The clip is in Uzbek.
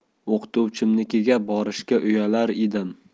o'qituvchimnikiga borishga uyalar